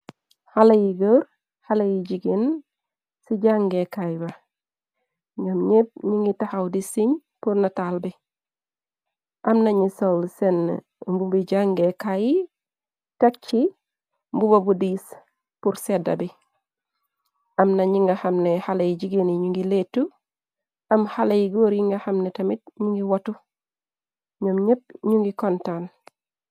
Xalé yi goor xalé yi jigeen ci jàngee kaay ba ñoom ñépp ñi ngi taxaw di siñ purnataal bi amnañu sowl senn mbu bi jàngee kaay tek ci mbuba bu diis pur sedda bi amna ñi nga xamne xalé yi jigeen yi ñu ngi leetu am xale yi goor yi nga xamne tamit ñu ngi watu ñoom ñépp ñu ngi kontaan.